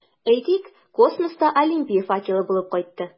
Әйтик, космоста Олимпия факелы булып кайтты.